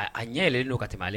A ɲɛ yɛlɛlen'o ka tɛmɛ ale